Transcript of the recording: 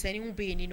Sinanw bɛ yen nin